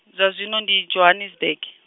zwa zwino ndi, Johannesburg.